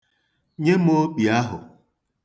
Nye m okpi ahụ.